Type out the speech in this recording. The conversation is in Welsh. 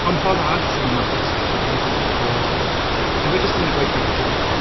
Ond ffordd all sut mae manifestation yn gweithio yw bod... Dyw e jyst ddim yn mynd i gweithio fel hwnna.